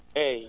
eeyi